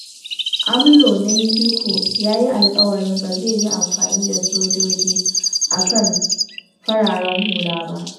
AMLO na Mexico ya yi alkawarin ba zai yi amfani da sojoji a kan fararen hula ba